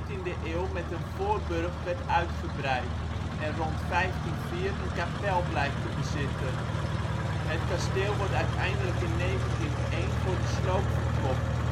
in de 14e eeuw met een voorburcht werd uitgebreid, en rond 1504 een kapel blijkt te bezitten. Het kasteel wordt uiteindelijk in 1901 voor de sloop verkocht